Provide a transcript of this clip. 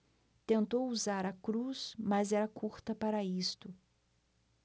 tentou usar a cruz mas era curta para isto